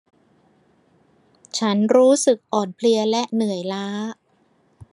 ฉันรู้สึกอ่อนเพลียและเหนื่อยล้า